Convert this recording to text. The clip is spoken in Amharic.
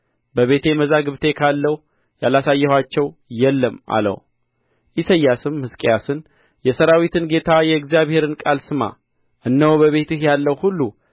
በቤተ መዛግብቴ ካለው ያላሳየኋቸው የለም አለው ኢሳይያስም ሕዝቅያስን የሠራዊትን ጌታ የእግዚአብሔርን ቃል ስማ እነሆ በቤትህ ያለው ሁሉ